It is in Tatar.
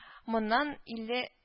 Моннан илле